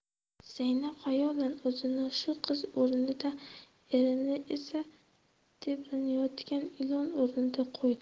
zaynab xayolan o'zini shu qiz o'rnida erini esa tebranayotgan ilon o'rniga qo'ydi